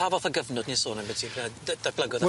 Pa fath o gyfnod ni'n sôn ambyti yy dy- datblygodd y